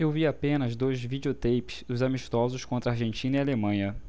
eu vi apenas dois videoteipes dos amistosos contra argentina e alemanha